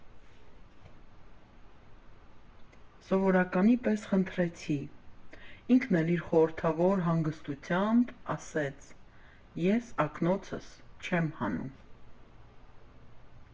Սովորականի պես խնդրեցի, ինքն էլ իր խորհրդավոր հանգստությամբ ասեց՝ ես ակնոցս չեմ հանում։